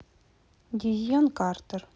дезьен картер